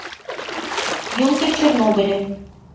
съемки в чернобыле